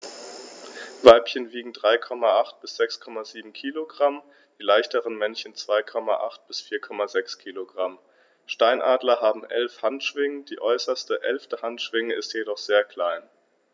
Weibchen wiegen 3,8 bis 6,7 kg, die leichteren Männchen 2,8 bis 4,6 kg. Steinadler haben 11 Handschwingen, die äußerste (11.) Handschwinge ist jedoch sehr klein.